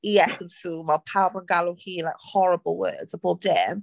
I Ekin Su mae pawb yn galw hi like horrible words a bob dim.